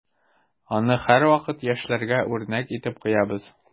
Аны һәрвакыт яшьләргә үрнәк итеп куябыз.